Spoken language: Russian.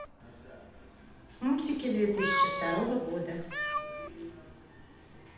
мультики две тысячи второго года